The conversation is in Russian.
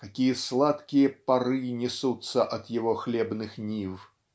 какие сладкие пары несутся от его хлебных нив!